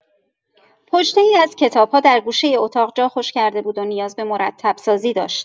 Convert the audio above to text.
پشته‌ای از کتاب‌ها در گوشه اتاق جا خوش کرده بود و نیاز به مرتب‌سازی داشت.